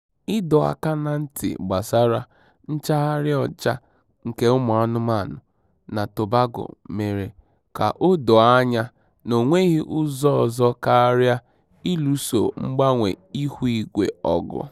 Ịdọ aka na ntị gbasara nchaghari ọcha nke ụmụanụmanụ na Tobago mere ka o doo anya na onweghị ụzọ ọzọ karịa ịlụso mgbanwe ihuigwe ọgụ.